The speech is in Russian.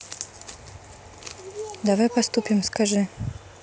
давай поступим скажи